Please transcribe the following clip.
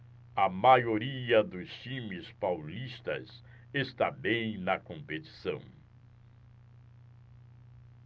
a maioria dos times paulistas está bem na competição